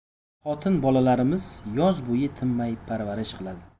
xotin bolalarimiz yoz bo'yi tinmay parvarish qiladi